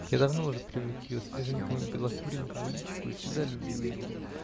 Я давно уже привык к ее свеженькому белокуренькому личику и всегда любил его